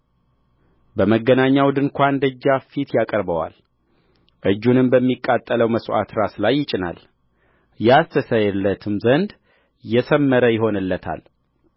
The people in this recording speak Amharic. በመገናኛው ድንኳን ደጃፍ ፊት ያቀርበዋልእጁንም በሚቃጠለው መሥዋዕት ራስ ላይ ይጭናል ያስተሰርይለትም ዘንድ የሠመረ ይሆንለታል